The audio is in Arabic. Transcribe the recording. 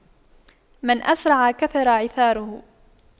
من أسرع كثر عثاره